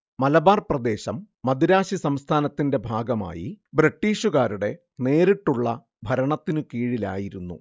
മലബാർ പ്രദേശം മദിരാശി സംസ്ഥാനത്തിന്റെ ഭാഗമായി ബ്രിട്ടീഷുകാരുടെ നേരിട്ടുള്ള ഭരണത്തിനു കീഴിലായിരുന്നു